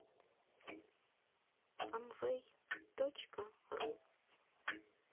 амвэй точка ру